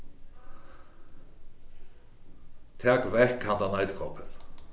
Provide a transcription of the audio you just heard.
tak vekk handan eiturkoppin